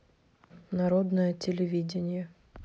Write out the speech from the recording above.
народное телевидение